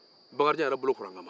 bakarijan yɛrɛ bolokora ŋama